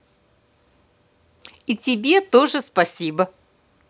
и тебе тоже спасибо